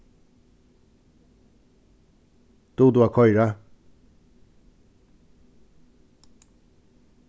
dugir tú at koyra